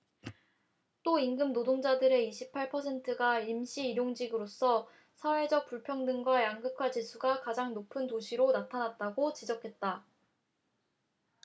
또 임금노동자의 이십 팔 퍼센트가 임시 일용직으로서 사회적 불평등과 양극화 지수가 가장 높은 도시로 나타났다 고 지적했다